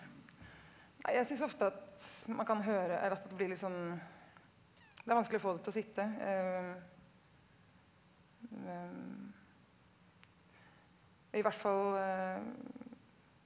nei jeg syns ofte at man kan høre eller at det blir litt sånn det er vanskelig å få det til å sitte men i hvert fall .